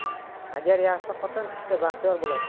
agar yaxshi xotin tushsa baxtiyor bo'lasan